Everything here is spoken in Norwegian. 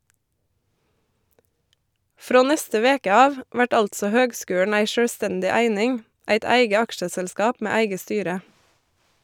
Frå neste veke av vert altså høgskulen ei sjølvstendig eining , eit eige aksjeselskap med eige styre.